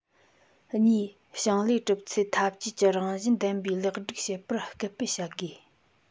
གཉིས ཞིང ལས གྲུབ ཚུལ འཐབ ཇུས ཀྱི རང བཞིན ལྡན པའི ལེགས སྒྲིག བྱེད པར སྐུལ སྤེལ བྱ དགོས